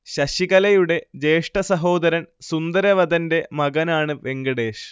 ശശികലയുടെ ജ്യേഷ്ഠ സഹോദരൻ സുന്ദരവദന്റെ മകനാണ് വെങ്കടേഷ്